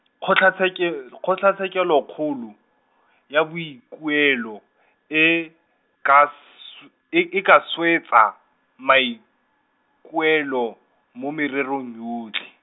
Kgotlhatsheke- , Kgotlatshekelokgolo, ya Boikuelo, e, ka sw-, e e ka swetsa, maikuelo, mo mererong yotlhe.